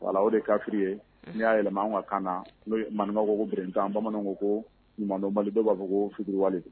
Wala o de kafi ye n'i y'a yɛlɛma ka kaana na n man kobererintan bamananw ko ko ɲumanumadɔ mali dɔ b'a fɔ kouruwa don